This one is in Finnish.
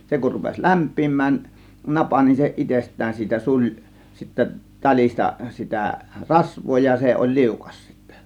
se kun rupesi lämpenemään napa niin se itsestään siitä suli sitten talista sitä rasvaa ja se oli liukas sitten